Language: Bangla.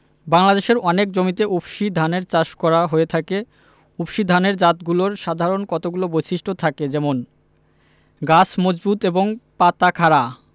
বাংলাদেশের অনেক জমিতে উফশী ধানের চাষ করা হয়ে থাকে উফশী ধানের জাতগুলোর সাধারণ কতগুলো বৈশিষ্ট্য থাকে যেমন গাছ মজবুত এবং পাতা খাড়া